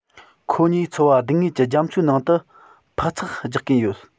ཁོ གཉིས འཚོ བ སྡུག བསྔལ གྱི རྒྱ མཚོའི ནང དུ འཕག འཚག རྒྱག གིན ཡོད